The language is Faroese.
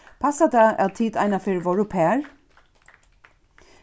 passar tað at tit einaferð vóru par